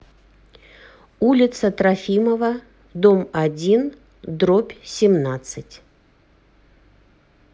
улица трофимова дом один дробь семнадцать